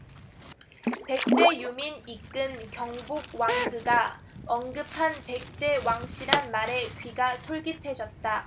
백제 유민 이끈 경복왕그가 언급한 백제왕씨란 말에 귀가 솔깃해졌다